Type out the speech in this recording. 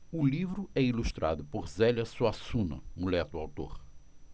o livro é ilustrado por zélia suassuna mulher do autor